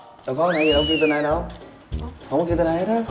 đâu có nãy giờ có kêu tên ai đâu hỏng có kêu tên ai hết á